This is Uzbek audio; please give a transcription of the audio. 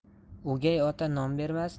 o'gay ota non bermas